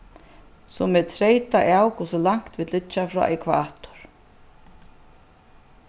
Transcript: sum er treytað av hvussu langt vit liggja frá ekvator